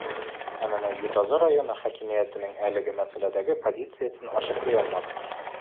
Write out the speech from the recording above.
Ә менә Ютазы районы хакимиятенең әлеге мәсьәләдәге позициясен ачыклый алмадык.